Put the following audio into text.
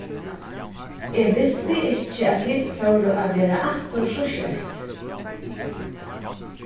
eg visti ikki at tit fóru at verða aftur so skjótt